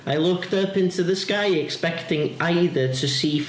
I looked up into the sky expecting either to see...